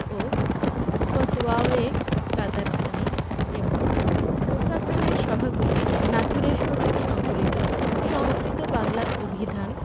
ও ফতওয়ায়ে তাতারখানী এবং মুসা খানের সভাকবি নাথুরেশ কর্তৃক সংকলিত সংস্কৃত বাংলা অভিধান